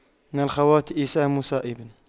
من الخواطئ سهم صائب